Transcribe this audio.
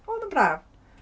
Odd o'n braf.